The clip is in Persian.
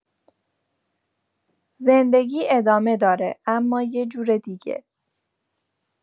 زندگی ادامه داره، اما یه جور دیگه.